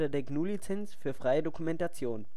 der GNU Lizenz für freie Dokumentation